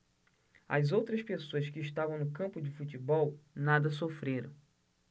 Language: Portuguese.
as outras pessoas que estavam no campo de futebol nada sofreram